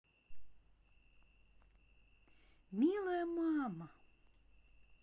милая мама